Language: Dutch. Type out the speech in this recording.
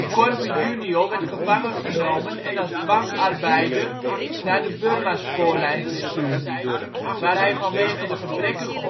Korver junior werd gevangengenomen en als dwangarbeider naar de Birma-spoorlijn gestuurd, waar hij vanwege de gebrekkige